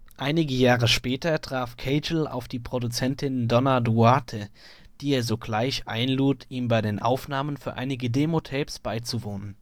Einige Jahre später traf Cagle auf die Produzentin Donna Duarte, die er sogleich einlud ihm bei den Aufnahmen für einige Demotapes beizuwohnen